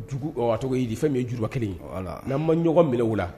Jugu cogo ye de fɛn bɛ ye juruba kelen n'aan ma ɲɔgɔn minɛw la